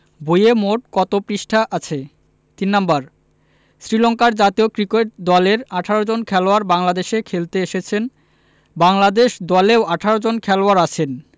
বইয়ে মোট কত পৃষ্ঠা আছে ৩ নাম্বার শ্রীলংকার জাতীয় ক্রিকেট দলের ১৮ জন খেলোয়াড় বাংলাদেশে খেলতে এসেছেন বাংলাদেশ দলেও ১৮ জন খেলোয়াড় আছেন